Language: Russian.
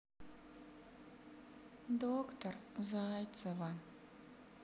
доктор зайцева